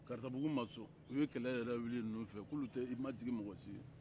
karatabugu ma sɔn u ye kɛlɛ yɛrɛ wuli ninnu fɛ k'olu tɛ u majigin mɔgɔ si ye